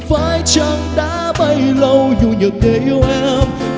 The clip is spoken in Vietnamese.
phải chăng đã bấy lâu nhu nhược để yêu em